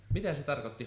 mitä se tarkoitti